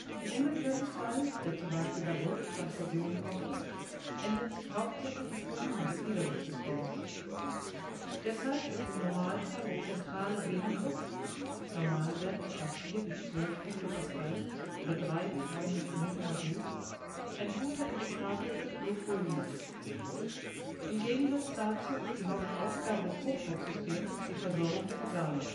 Im umgekehrten Fall, der zum Beispiel bei Bluttransfusionen auftritt, ändert sich hauptsächlich das Volumen des Niederdrucksystems. Deshalb ist im Normalfall der zentrale Venendruck (Normalwert etwa 4 bis 12 Hektopascal oder 3 bis 9 mmHg) ein guter Indikator für das Blutvolumen. Im Gegensatz dazu ist die Hauptaufgabe des Hochdrucksystems die Versorgung der Organe